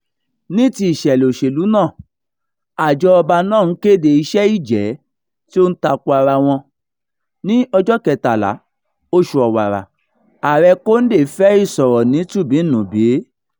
Ní ti ìṣẹ̀lẹ̀ òṣèlú náà, àjọ ọba náà ń kéde iṣẹ́-ìjẹ́ tí ó ń tako ara wọn: Ní ọjọ́ 13, oṣù Ọ̀wàrà Ààrẹ Condé fẹ́ ìsọ̀rọ̀-ní-tùnbí-ǹ-nùbí: